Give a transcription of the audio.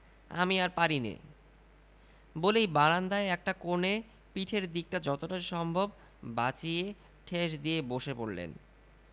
আমি আর পারিনে বলেই বারান্দায় একটা কোণে পিঠের দিকটা যতটা সম্ভব বাঁচিয়ে ঠেস দিয়ে বসে পড়লেন